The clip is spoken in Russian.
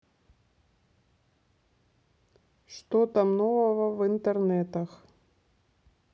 что там нового в интернетах